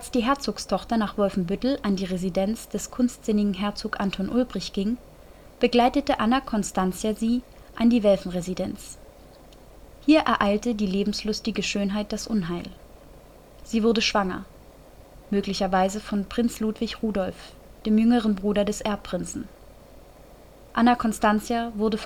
die Herzogstochter nach Wolfenbüttel an die Residenz des kunstsinnigen Herzogs Anton Ulrich ging, begleitete Anna Constantia sie an die Welfen-Residenz. Hier ereilte die lebenslustige Schönheit das Unheil. Sie wurde schwanger, möglicherweise von Prinz Ludwig Rudolf, dem jüngeren Bruder des Erbprinzen. Anna Constantia wurde